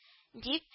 — дип